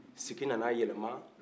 sigi na na a yɛlɛma